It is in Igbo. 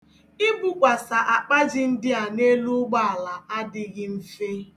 Ibukwasa akpa ji ndị a n'elu ụgbọala adịghị mfe